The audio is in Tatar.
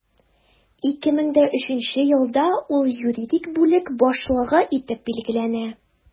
2003 елда ул юридик бүлек башлыгы итеп билгеләнә.